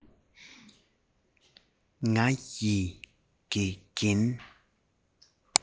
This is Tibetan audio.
ང ཡི དགེ རྒན